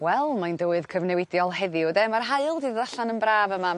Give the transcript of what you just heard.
Wel mae'n dywydd cyfnewidiol heddiw yde ma'r haul 'di ddod allan yn braf yma ym...